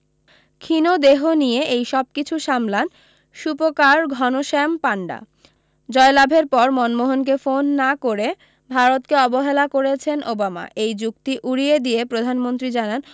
ক্ষীণ দেহ নিয়ে এই সবকিছু সামলান সূপকার ঘনশ্যাম পাণ্ডা জয়লাভের পর মনমোহনকে ফোন না করে ভারতকে অবহেলা করেছেন ওবামা এই যুক্তি উড়িয়ে দিয়ে প্রধানমন্ত্রী জানান